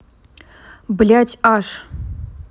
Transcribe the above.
блядь аж